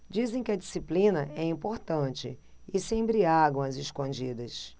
dizem que a disciplina é importante e se embriagam às escondidas